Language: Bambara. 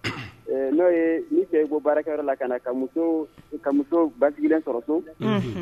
N'o ye min se ko baarakɛ la ka ka ka ba sɔrɔ so